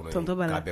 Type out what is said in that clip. Tɔnontɔ b'a labɛn